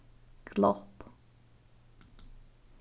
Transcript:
glopp